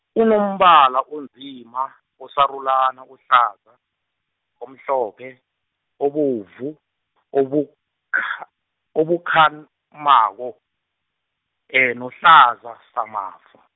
inombala onzima, osarulani, ohlaza, omhlophe, obomvu , obukha, obukhan- -mako, nohlaza samafu.